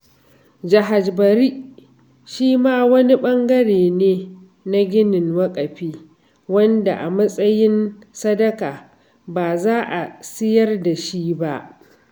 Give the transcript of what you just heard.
Jahaj Bari shi ma wani ɓangare ne na ginin waƙafi (sadakar dindindin), wanda a matsayin sadaka, ba za a siyar da shi ba.